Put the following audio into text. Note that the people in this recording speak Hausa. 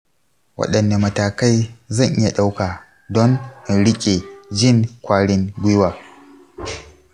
waɗanne matakai zan iya ɗauka don in riƙe jin kwarin giwa?